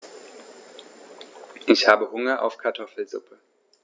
Ich habe Hunger auf Kartoffelsuppe.